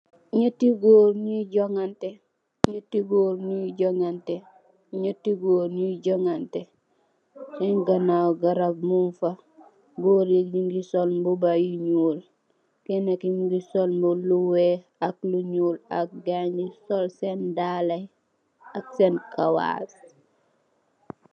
Neeti goor nyui joganteh neeti goor nyui joganteh neeti goor nyui joganteh sen ganaw garab mung fa goori nyu sol mbuba bu nuul kena ki mogi sol lu weex ak lu nuul ak gaay nyu sol sen dala ak kawas.